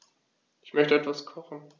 Ich möchte etwas kochen.